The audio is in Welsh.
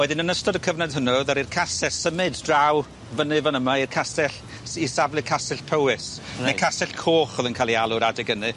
Wedyn yn ystod y cyfnod hwnnw ddaru'r castell symud draw fyny fyn yma i'r castell s- i safle Castell Powys. Reit. Neu Castell Coch o'dd e'n cael ei alw'r adeg ynny..